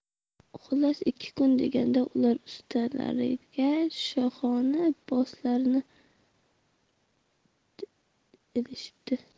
xullas ikki kun deganda ular ustlariga shohona liboslarni ilishibdi